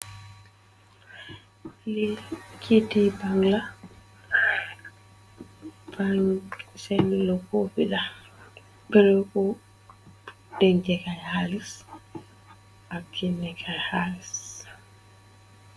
lekiti bangla pangcenlo kofida bereku denge kay xalis ak kinne kay xalis